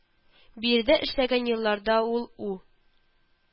Биредә эшләгән елларда ул У